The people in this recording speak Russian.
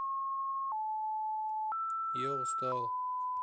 я устал